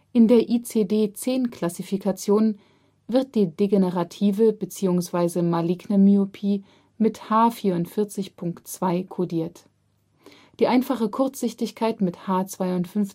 In der ICD-10-Klassifikation wird die degenerative bzw. maligne Myopie mit H44.2 kodiert, die einfache Kurzsichtigkeit mit H52.1